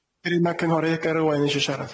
Yr un ma' cynghory Egar Owen isio siarad.